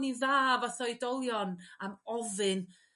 ni'n dda fatha oedolion am ofyn